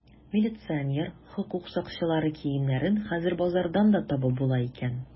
Милиционер, хокук сакчылары киемнәрен хәзер базардан да табып була икән.